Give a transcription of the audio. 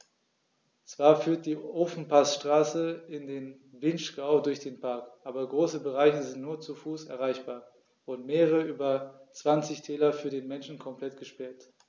Zwar führt die Ofenpassstraße in den Vinschgau durch den Park, aber große Bereiche sind nur zu Fuß erreichbar und mehrere der über 20 Täler für den Menschen komplett gesperrt.